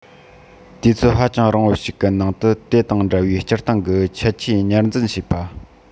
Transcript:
དུས ཚོད ཧ ཅང རིང པོ ཞིག གི ནང དུ དེ དང འདྲ བའི སྤྱིར བཏང གི ཁྱད ཆོས ཉར འཛིན བྱེད པ ཡིན